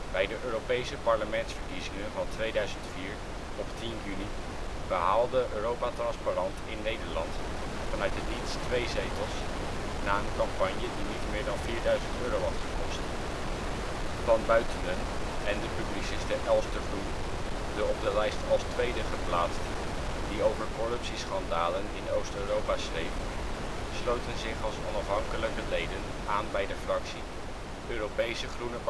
Bij de Europese Parlementsverkiezingen 2004 op 10 juni haalde Europa Transparant in Nederland vanuit het niets twee zetels, na een campagne die niet meer dan vierduizend euro had gekost. Van Buitenen en de publiciste Els de Groen, de op de lijst als tweede geplaatste, die over corruptieschandalen in Oost-Europa schreef, sloten zich als onafhankelijke leden aan bij de fractie Europese Groene